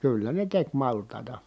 kyllä ne teki maltaita